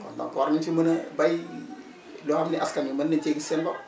kon donc war nañu si mën a béy loo xam ne askan bi mën nañu cee gis seen bopp